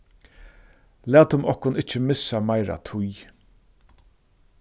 latum okkum ikki missa meira tíð